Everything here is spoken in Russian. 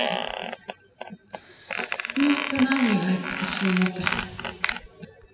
не устанавливается почему то